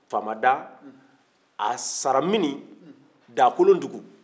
faama da a sara min daakolondugu